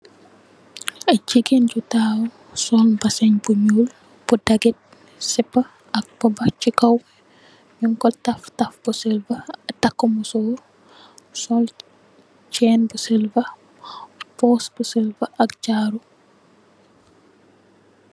Aiiy gigain ju takhaw sol mbazin bu njull bu dahgit, sipah ak mbuba, chi kaw njung kor taf taf bu silver, takue musoor, sol chaine bu silver, purse bu silver ak jaarou.